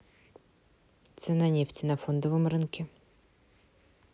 цена нефти на фондовом рынке